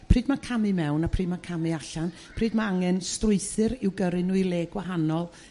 pryd ma'r camu mewn a pry' ma' camu allan pryd ma' angen strwythur i'w gyrru nhw i le gwahanol